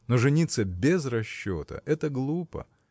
но жениться без расчета – это глупо!.